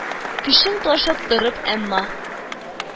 Көчең ташып торыр, әмма